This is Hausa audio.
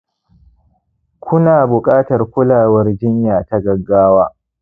ku na buƙatar kulawar jinya ta gaggawa